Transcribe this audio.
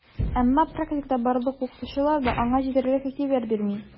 Әмма практикада барлык укытучылар да аңа җитәрлек игътибар бирми: